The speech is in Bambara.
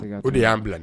O de y'an bila